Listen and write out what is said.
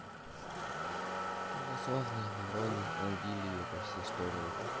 православные вороны ангелие по все стороны